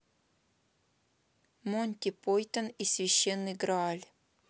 монти пайтон и священный грааль